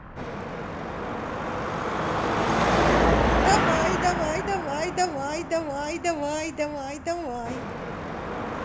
давай давай давай давай давай давай давай давай